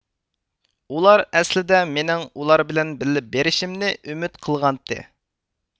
ئۇلار ئەسلىدە مېنىڭ ئۇلار بىلەن بىللە بېرشىمنى ئۈمىد قىلغانتى